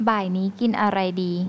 บ่ายนี้กินอะไรดี